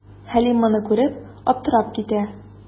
Хәлим моны күреп, аптырап китә.